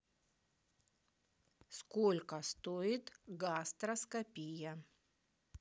сколько стоит гастроскопия